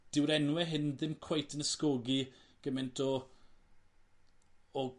dyw'r enwe hyn ddim cweit yn ysgogi gyment o o